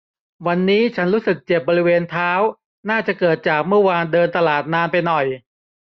วันนี้ฉันรู้สึกเจ็บบริเวณเท้าน่าจะเกิดจากเมื่อวานเดินตลาดนานไปหน่อย